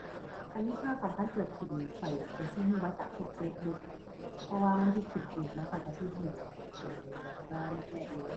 คันมีข่าวสำคัญเกิดขึ้นนี้ ข้อยก็สิก็มาจากพวก Facebook เพราะว่ามันสิขึ้นฟีดมาข้อยก็สิก็เป็นแบบว่าแรกแรกเลย